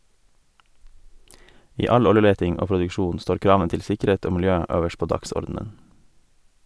I all oljeleting og -produksjon står kravene til sikkerhet og miljø øverst på dagsordenen.